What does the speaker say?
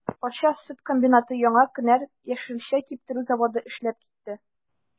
Арча сөт комбинаты, Яңа кенәр яшелчә киптерү заводы эшләп китте.